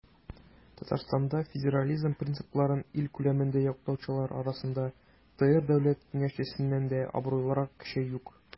Татарстанда федерализм принципларын ил күләмендә яклаучылар арасында ТР Дәүләт Киңәшчесеннән дә абруйлырак кеше юк.